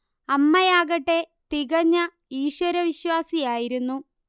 അമ്മയാകട്ടെ തികഞ്ഞ ഈശ്വരവിശ്വാസിയായിരുന്നു